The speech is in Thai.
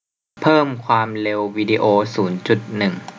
เพิ่มความเร็ววีดีโอศูนย์จุดหนึ่ง